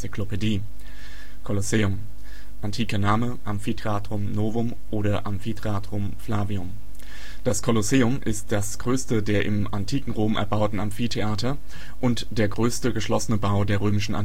Kolosseum (antiker Name: Amphitheatrum Novum oder Amphitheatrum Flavium) ist das größte der im antiken Rom erbauten Amphitheater und der größte geschlossene Bau der römischen